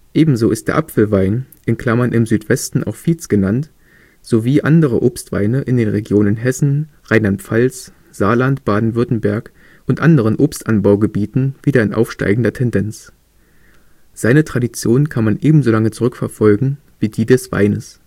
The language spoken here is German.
Ebenso ist der Apfelwein (im Südwesten auch Viez genannt) sowie andere Obstweine in den Regionen Hessen, Rheinland-Pfalz, Saarland, Baden-Württemberg und anderen Obstanbaugebieten wieder in aufsteigender Tendenz. Seine Tradition kann man ebenso lange zurückverfolgen wie die des Weines